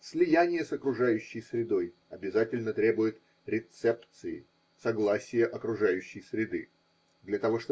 слияние с окружающей средой обязательно требует рецепции, согласия окружающей среды: для того.